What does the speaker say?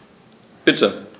Bitte.